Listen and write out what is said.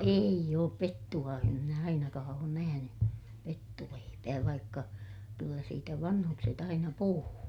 ei ole pettua en minä ainakaan ole nähnyt pettuleipää vaikka kyllä siitä vanhukset aina puhuu